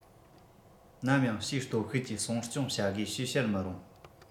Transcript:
ནམ ཡང ཕྱིའི སྟོབས ཤུགས ཀྱིས སྲུང སྐྱོང བྱ དགོས ཞེས བཤད མི རུང